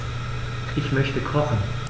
Ich möchte kochen.